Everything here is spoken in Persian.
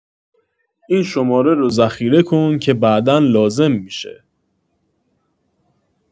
این شماره رو ذخیره کن که بعدا لازم می‌شه